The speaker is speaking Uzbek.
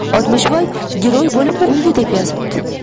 oltmishvoy giroy bo'lib o'ldi deb yozibdi